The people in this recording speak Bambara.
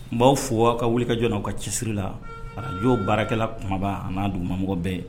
N b' fɔ aw ka wuli ka u ka cisiri la ka ɲɔo baarakɛla kumaba ani n'a dugu mamɔgɔ bɛɛ ye